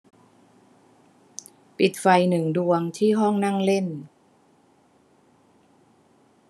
ปิดไฟหนึ่งดวงที่ห้องนั่งเล่น